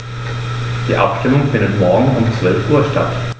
Die Abstimmung findet morgen um 12.00 Uhr statt.